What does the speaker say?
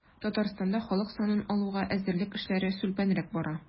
Татарстанда халык санын алуга әзерлек эшләре сүлпәнрәк бара.